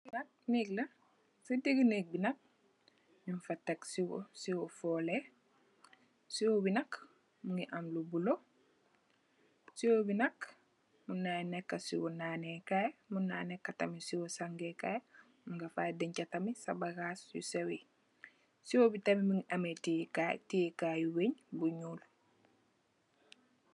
Li nak neeg la si digi néeg bi nak nyu fa tek siwo siwo foleh siwo bi nak mogi am lu bulo siwo bi nak mun na neka siwo naan nee kai muna neka tamit siwo sangukai mun nga fa dencha tamit cash bagass yu sewi siwo tamit mogi ame ti tiyeh kai tiyeh kai bu wun bu nuul.